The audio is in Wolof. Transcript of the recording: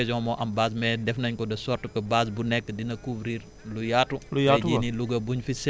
maanaam base bu nekk du chaque région moo am base mais def nañ ko de sorte que base bu nekk dina couvrir lu yaatu